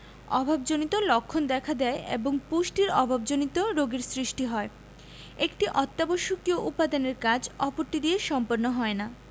অভাবজনিত লক্ষণ দেখা দেয় এবং পুষ্টির অভাবজনিত রোগের সৃষ্টি হয় একটি অত্যাবশ্যকীয় উপাদানের কাজ অপরটি দিয়ে সম্পন্ন হয় না